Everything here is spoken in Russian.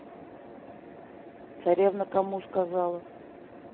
царевна кому сказала